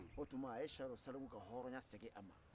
o tuma a ye siyaro saliku ka hɔrɔnya segin a ma